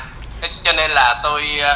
cho nên là tôi